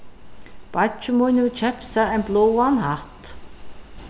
beiggi mín hevur keypt sær ein bláan hatt